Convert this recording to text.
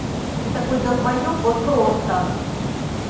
ты такой долбоеб вот просто